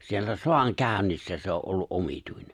siellä sodankäynnissä se on ollut omituinen